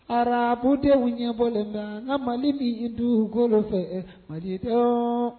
Arabudenw ɲɛbɔlen bɛ an ka Mali bi dukolo fɛ, malidenw